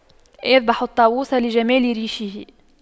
يذبح الطاووس لجمال ريشه